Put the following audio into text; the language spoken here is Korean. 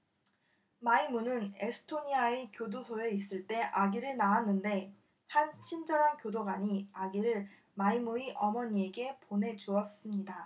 마이무는 에스토니아의 교도소에 있을 때 아기를 낳았는데 한 친절한 교도관이 아기를 마이무의 어머니에게 보내 주었습니다